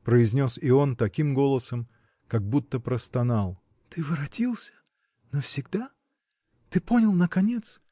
— произнес и он таким голосом, как будто простонал. — Ты воротился. навсегда?. Ты понял наконец.